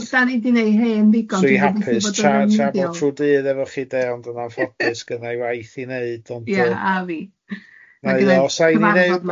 Do, da ni di wneud hen digon... Dwi'n hapus, cha cha bod trw'r dydd efo chi de ond yn anffodus gynna i waith i wneud ond yy... Ie, a fi. ...nai o sy rai ni neu wbath os?